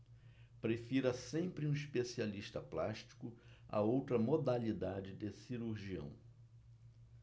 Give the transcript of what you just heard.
prefira sempre um especialista plástico a outra modalidade de cirurgião